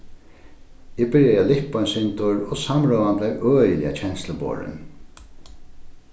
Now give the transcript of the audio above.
eg byrjaði at lippa eitt sindur og samrøðan bleiv øgiliga kensluborin